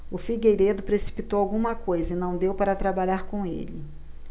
o figueiredo precipitou alguma coisa e não deu para trabalhar com ele